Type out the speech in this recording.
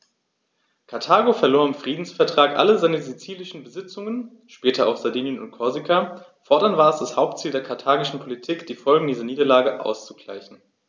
Karthago verlor im Friedensvertrag alle seine sizilischen Besitzungen (später auch Sardinien und Korsika); fortan war es das Hauptziel der karthagischen Politik, die Folgen dieser Niederlage auszugleichen.